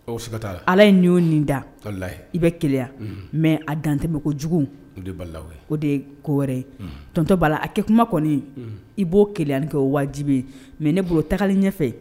Ala ye nin'o nin da kayi i bɛ ke mɛ a dantɛ bɛ ko jugu o de ye ko wɛrɛ tontɔ' la a kɛ kuma kɔni i'o kɛ o wajibibe ye mɛ ne bolotagali ɲɛfɛ